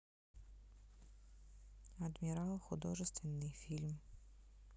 адмирал художественный фильм